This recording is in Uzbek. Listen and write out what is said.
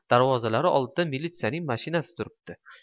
darvozalari oldida militsiyaning mashinasi turibdi